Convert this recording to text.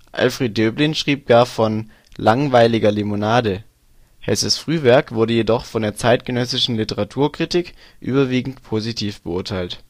Alfred Döblin schrieb gar von " langweiliger Limonade ". Hesses Frühwerk wurde jedoch von der zeitgenössischen Literaturkritik überwiegend positiv beurteilt